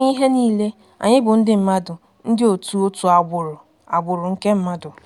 N'ime ihe niile, anyị bụ ndị mmadụ, ndị òtù ótù agbụrụ, agbụrụ nke mmadụ.